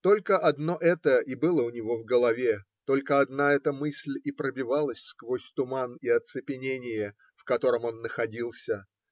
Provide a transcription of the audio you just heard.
Только одно это и было у него в голове, только одна эта мысль и пробивалась сквозь туман и оцепенение, в котором он находился.